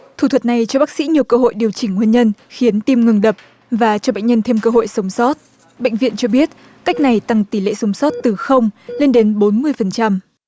thủ thuật này cho bác sĩ nhiều cơ hội điều chỉnh nguyên nhân khiến tim ngừng đập và cho bệnh nhân thêm cơ hội sống sót bệnh viện cho biết cách này tăng tỷ lệ sống sót từ không lên đến bốn mươi phần trăm